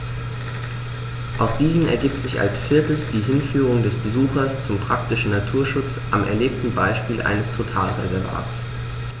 Aus diesen ergibt sich als viertes die Hinführung des Besuchers zum praktischen Naturschutz am erlebten Beispiel eines Totalreservats.